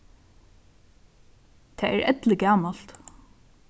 tað er elligamalt